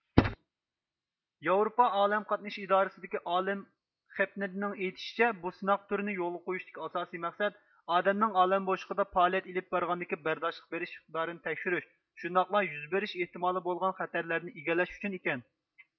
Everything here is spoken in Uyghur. ياۋروپا ئالەم قاتنىشى ئىدارىسىدىكى ئالىم خېپنېرنىڭ ئېيتىشىچە بۇ سىناق تۈرىنى يولغا قويۇشتىكى ئاساسىي مەقسەت ئادەمنىڭ ئالەم بوشلۇقىدا پائالىيەت ئېلىپ بارغاندىكى بەرداشلىق بېرىش ئىقتىدارىنى تەكشۈرۈش شۇنداقلا يۈز بېرىش ئېھتىمالى بولغان خەتەرلەرنى ئىگىلەش ئۈچۈن ئىكەن